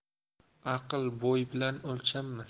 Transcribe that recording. aql bo'y bilan o'lchanmas